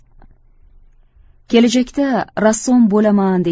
kelajakda rassom bo'laman